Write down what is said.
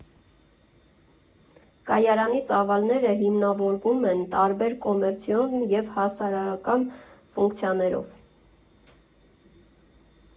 Կայարանի ծավալները հիմնավորվում են տարբեր կոմերցիոն և հասարակական ֆունկցիաներով։